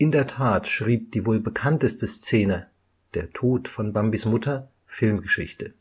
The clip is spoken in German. der Tat schrieb die wohl bekannteste Szene, der Tod von Bambis Mutter, Filmgeschichte